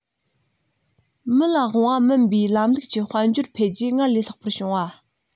སྤྱི ལ དབང བ མིན པའི ལམ ལུགས ཀྱི དཔལ འབྱོར འཕེལ རྒྱས སྔར ལས ལྷག པར བྱུང བ